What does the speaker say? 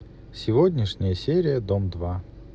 сегодняшняя серия дом два